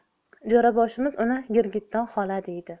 jo'raboshimiz uni girgitton xola deydi